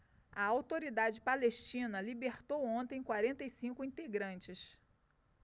a autoridade palestina libertou ontem quarenta e cinco integrantes